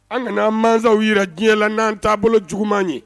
An kana maasaw jira diɲɛ na n'an taabolo juguman ye.